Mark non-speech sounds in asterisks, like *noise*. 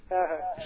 *hesitation* *hesitation*